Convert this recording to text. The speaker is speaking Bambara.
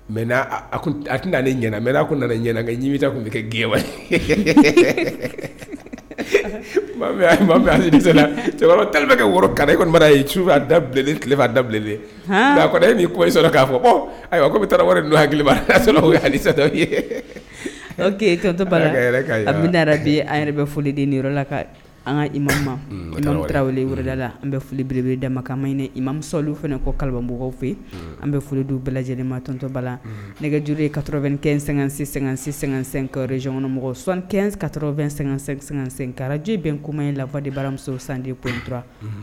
Mɛ a tɛna n'ale ɲ mɛ a nana ɲɛnakɛ ɲɛmi tun bɛ kɛ gwa cɛba ta bɛ kɛ woro e ye su a da tilefa a da bilenlen ei k'a fɔ bɛ taa wari don hakili o alisatɔ an bɛnaden an yɛrɛ bɛ foliden ni yɔrɔ la ka an ka imama yɔrɔlala an bɛ folibele damamakanma ɲini i mamisa olu fana kɔ kalimɔgɔw fɛ an bɛ foli dun bɛɛ lajɛlen ma tɔntɔbala nej ye kaoroɛn--sɛ-sɛsɛ zyɔnmɔgɔ son kato2-sɛkaraji bɛn koma in lafa de baramuso san de ptura